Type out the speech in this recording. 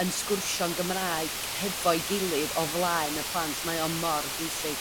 yn sgwrsio'n Gymraeg hefo'i gilydd o flaen y plant mae o mor bwysig